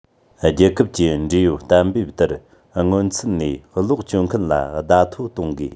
རྒྱལ ཁབ ཀྱི འབྲེལ ཡོད གཏན འབེབས ལྟར སྔོན ཚུད ནས གློག སྤྱོད མཁན ལ བརྡ ཐོ གཏོང དགོས